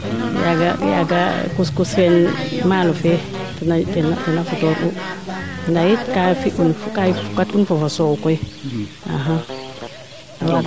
yaaga yaaga couscous feen maalo fee tena futoor u ndaa yit kaa fi un kaa fokat un fo fosoow koy axaa